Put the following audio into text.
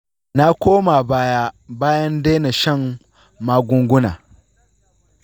na koma baya bayan daina shan magunguna.